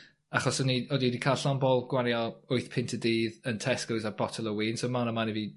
achos o'n i odd ni 'di ca'l llond bol gwario wyth punt y dydd yn Tescos ar botel o win so man a man i fi